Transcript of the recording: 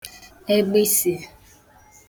egbịsị